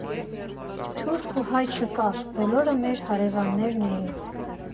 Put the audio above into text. Թուրք ու հայ չկար, բոլորը մեր հարևաններն էին։